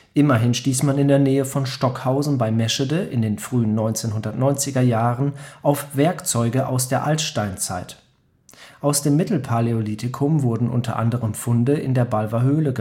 Immerhin stieß man in der Nähe von Stockhausen bei Meschede in den frühen 1990er Jahren auf Werkzeuge aus der Altsteinzeit. Aus dem Mittelpaläolithikum wurden unter anderem Funde in der Balver Höhle